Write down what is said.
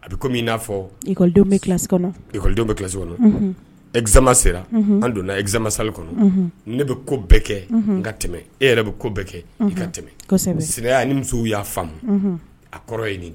A bɛ komi min i n'a fɔkɔ bɛ kikɔdenw bɛ kilaso kɔnɔ esama sera an donna esama sali kɔnɔ ne bɛ ko bɛɛ kɛ n ka tɛmɛ e yɛrɛ bɛ ko bɛɛ kɛ ka tɛmɛ sɛnɛya ni musow y'a faamu a kɔrɔ yen